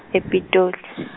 e- Pitoli.